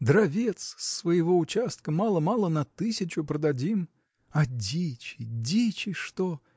Дровец с своего участка мало-мало на тысячу продадим. А дичи, дичи что!